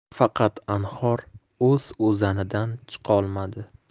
faqat anhor o'z o'zanidan chiqolmadi